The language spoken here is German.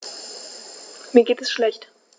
Mir geht es schlecht.